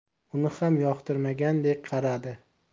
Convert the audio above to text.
uni ham yoqtirmagandek qaradi